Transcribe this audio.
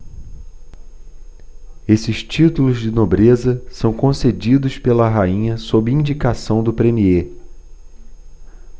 esses títulos de nobreza são concedidos pela rainha sob indicação do premiê